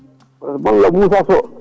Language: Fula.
malla Moussa Sow